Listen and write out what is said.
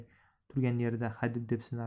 turgan yerida hadeb depsinardi